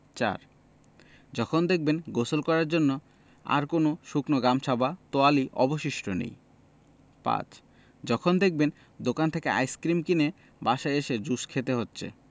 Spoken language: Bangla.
৪. যখন দেখবেন গোসল করার জন্য আর কোনো শুকনো গামছা বা তোয়ালে অবশিষ্ট নেই ৫. যখন দেখবেন দোকান থেকে আইসক্রিম কিনে বাসায় এসে জুস খেতে হচ্ছে